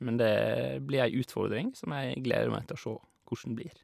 Men det blir ei utfordring som jeg gleder meg til å sjå kossen blir.